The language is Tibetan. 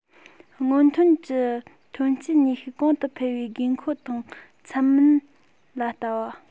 སྔོན ཐོན གྱི ཐོན སྐྱེད ནུས ཤུགས གོང དུ འཕེལ བའི དགོས མཁོ དང འཚམས མིན ལ ལྟ བ